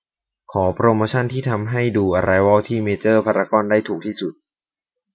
ขอโปรโมชันที่ทำให้ดูอะไรวอลที่เมเจอร์พารากอนได้ถูกที่สุด